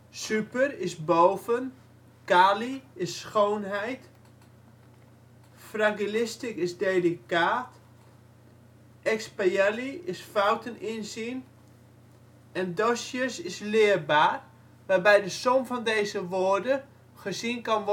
super -" boven ", cali -" schoonheid ", fragilistic -" delicaat ", expiali -" fouten inzien ", and docious -" leerbaar ", waarbij de som van deze woorden gezien kan